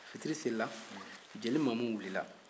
fitiri selila jeli mamu wulila